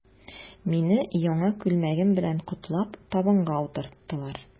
Мине, яңа күлмәгем белән котлап, табынга утырттылар.